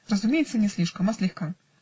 разумеется, не слишком, а слегка".